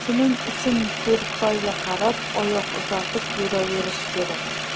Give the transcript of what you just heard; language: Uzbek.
shuning uchun ko'rpaga qarab oyoq uzatib yuraverish kerak